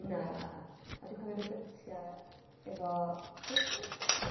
Na, a dwi'n cofio rhyw gytiau efo gerbils a ballu?